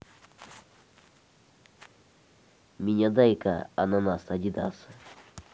меня дай ка ананас адидас